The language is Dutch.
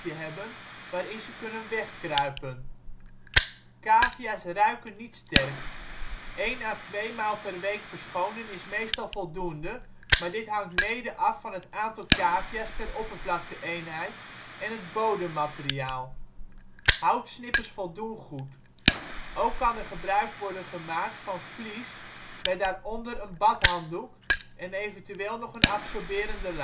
hebben waarin ze kunnen wegkruipen. Cavia 's ruiken niet sterk; 1 à 2 maal per week verschonen is meestal voldoende maar dit hangt mede af van het aantal cavia 's per oppervlakte-eenheid en het bodemmateriaal. Houtsnippers voldoen goed. Ook kan er gebruik worden gemaakt van fleece met daaronder een (bad) handdoek en eventueel nog een absorberende laag